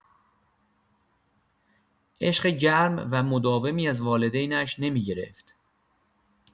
عشق گرم و مداومی از والدینش نمی‌گرفت.